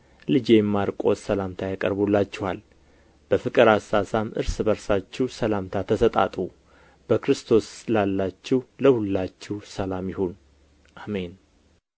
ልጄም ማርቆስ ሰላምታ ያቀርቡላችኋል በፍቅር አሳሳም እርስ በርሳችሁ ሰላምታ ተሰጣጡ በክርስቶስ ላላችሁ ለሁላችሁ ሰላም ይሁን አሜን